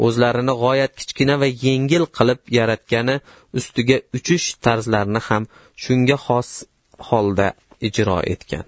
a'zolarini g'oyat kichkina va yengil qilib yaratgani ustiga uchish tarzlarini ham shunga xos holda ijod etgan